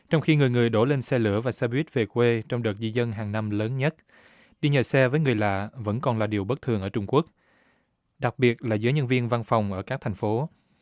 trong khi người người đổ lên xe lửa và xe buýt về quê trong đợt di dân hàng năm lớn nhất đi nhờ xe với người lạ vẫn còn là điều bất thường ở trung quốc đặc biệt là giới nhân viên văn phòng ở các thành phố